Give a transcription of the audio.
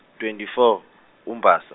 twenty four uMbasa.